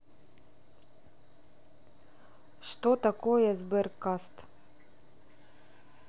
что такое сбер cast